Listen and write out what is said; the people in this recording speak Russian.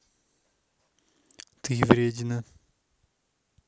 ты вредина